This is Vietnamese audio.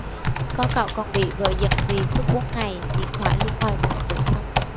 có cậu còn bị vợ giận vì suốt bốn ngày điện thoại luôn ngoài vùng phủ sóng